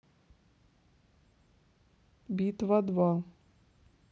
битва два